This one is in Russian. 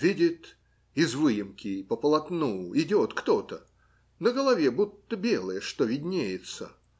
Видит, из выемки по полотну идет кто-то, на голове будто белое что виднеется.